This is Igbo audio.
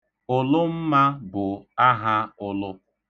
Ụlụmma bụ aha ụlụ.